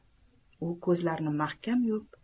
u ko'zlarini mahkam yumib